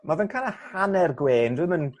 Ma' fe'n ca'l hanner gwên dyw 'im yn